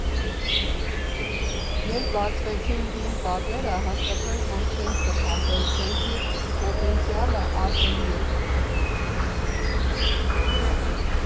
Երբ բացվեցին հին պատերը, հասկացանք, որ չենք սխալվել, շենքի պոտենցիալն ահռելի էր։